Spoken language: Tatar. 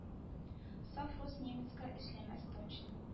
Саф рус немецка эшләмәс точно